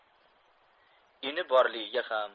ini borligiga ham